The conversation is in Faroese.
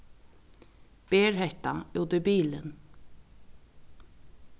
ber hetta út í bilin